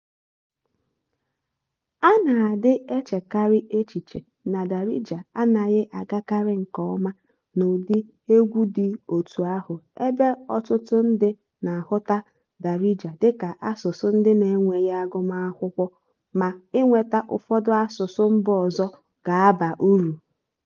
A na-adị echekarị echiche na Darija anaghị agakarị nke ọma n'ụdị egwu dị otú ahụ ebe ọtụtụ ndị na-ahụta Darija dịka asụsụ ndị n'enweghị agụmakwụkwọ, ma inweta ụfọdụ asụsụ mba ọzọ ga-aba uru.